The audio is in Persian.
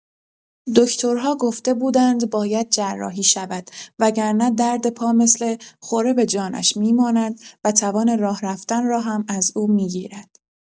دکترها گفته بودند باید جراحی شود وگرنه درد پا مثل خوره به جانش می‌ماند و توان راه‌رفتن را هم از او می‌گیرد.